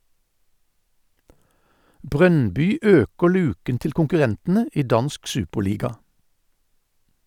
Brøndby øker luken til konkurrentene i dansk superliga.